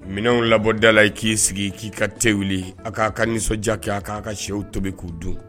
Minɛnw labɔda la i k'i sigi k'i ka cɛ wuli a k'a ka nisɔndiya kɛ k'a ka shɛw tobi k'u dun